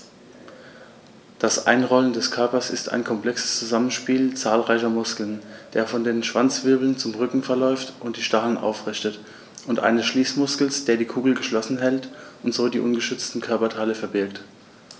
Das Einrollen des Körpers ist ein komplexes Zusammenspiel zahlreicher Muskeln, der von den Schwanzwirbeln zum Rücken verläuft und die Stacheln aufrichtet, und eines Schließmuskels, der die Kugel geschlossen hält und so die ungeschützten Körperteile verbirgt.